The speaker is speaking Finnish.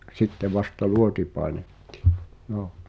sitten vasta luoti painettiin